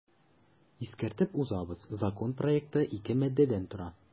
Искәртеп узабыз, закон проекты ике маддәдән тора.